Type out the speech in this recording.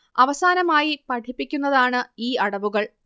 അവസാനമായി പഠിപ്പിക്കുന്നതാണ് ഈ അടവുകൾ